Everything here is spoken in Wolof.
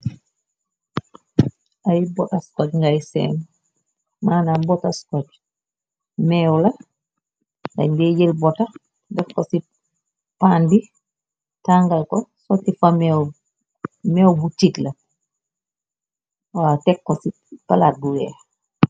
Ay bota scog ngay seen, mëna na bota scog, meew la da deejël botax def ko ci pàn bi tangal ko suti fa meew bi , meew bu niik la, waw tek ko ci palaat bu weex.